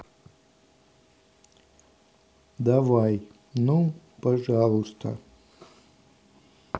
давай ну пожалуйста